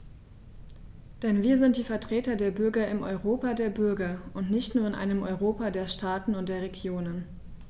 Denn wir sind die Vertreter der Bürger im Europa der Bürger und nicht nur in einem Europa der Staaten und der Regionen.